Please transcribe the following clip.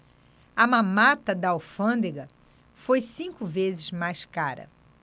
a mamata da alfândega foi cinco vezes mais cara